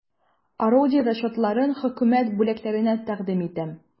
Орудие расчетларын хөкүмәт бүләкләренә тәкъдим итәм.